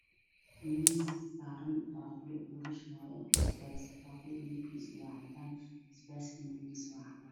Waa miis waxaa saaran baaquli lugu shubaayo basbaas cagaar ah, baaquliga waa cadaan.